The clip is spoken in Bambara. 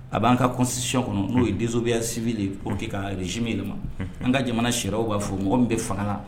A b'an kasi kɔnɔ n'o ye denmusozbiyasibi de kɛ kasimi yɛlɛma an ka jamana siw b'a fɔ mɔgɔ min bɛ fanga la